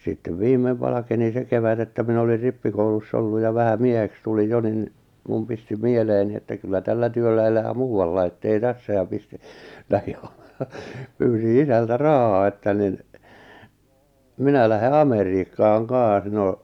sitten viimein valkeni se kevät että minä olin rippikoulussa ollut ja vähän mieheksi tulin jo niin minun pisti mieleeni että kyllä tällä työllä elää muualla että ei tässä ja pistin lähdin pyysin isältä rahaa että niin minä lähden Amerikkaan kanssa no